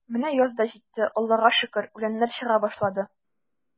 Менә яз да житте, Аллага шөкер, үләннәр чыга башлар.